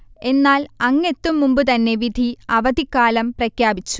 എന്നാൽ അങ്ങെത്തും മുമ്പുതന്നെ വിധി അവധിക്കാലം പ്രഖ്യാപിച്ചു